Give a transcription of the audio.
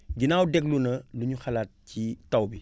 ginnaaw déglu na li ñu xalaat ci taw bi